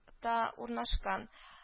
Та урнашкан